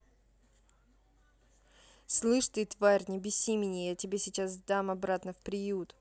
слышь ты тварь не беси меня я тебя сейчас дам обратно в приют